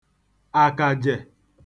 àkàjè